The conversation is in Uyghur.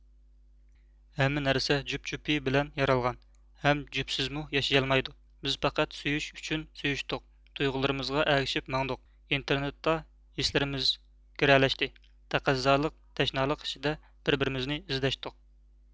ھەممە نەرسە جۈپ جۈپى بىلەن يارالغان ھەم جۈپسىزمۇ ياشىيالمايدۇ بىز پەقەت سۆيۈش ئۇچۇن سۆيۈشتۇق تۇيغۇلىرىمىزغا ئەگىشىپ ماڭدۇق ئىنتېرنېتتا ھېسلىرىمىز گىرەلەشتى تەقەززالىق تەشنالىق ئىچىدە بىر بىرىمىزنى ئىزدەشتۇق